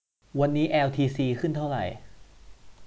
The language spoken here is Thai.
วันนี้แอลทีซีขึ้นเท่าไหร่